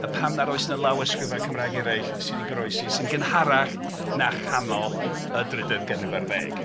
A pam nad oes 'na lawysgrifau Gymraeg eraill sy 'di goroesi sy'n gynharach na chanol y drydydd ganrif ar ddeg.